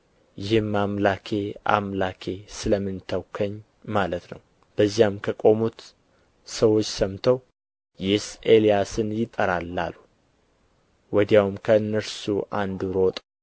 ይህም አምላኬ አምላኬ ስለ ምን ተውኸኝ ማለት ነው በዚያም ከቆሙት ሰዎች ሰምተው ይህስ ኤልያስን ይጠራል አሉ ወዲያውም ከእነርሱ አንዱ ሮጠ